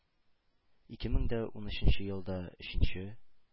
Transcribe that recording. Ике мең дә унөченче елда – өченче,